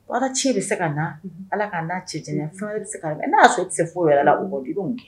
Baara tiɲɛ bɛ se ka na Ala k'an n'a cɛ janya fɛn wɛrɛ bɛ se k'a n'a y'a sɔrɔ u tɛ se foyi yɛrɛ la kɔ dun i bɛ mun